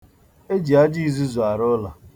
E ji aja izuzu arụ ụlọ.